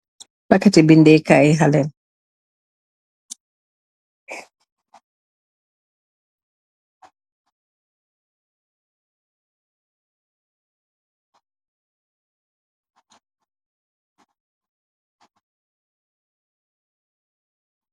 Paketti bindè kayi halè .